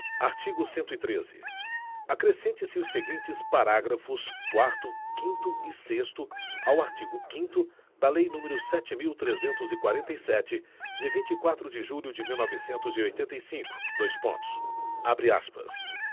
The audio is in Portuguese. artigo cento e treze acrescente se os seguintes parágrafo quarto quinto e sexto ao artigo quinto da lei número sete mil trezentos e quarenta e sete de vinte e quatro de julho de mil novecentos e oitenta e cinco dois pontos abre aspas